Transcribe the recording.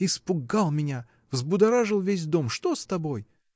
Испугал меня, взбудоражил весь дом: что с тобой?